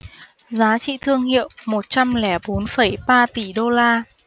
giá trị thương hiệu một trăm lẻ bốn phẩy ba tỷ đô la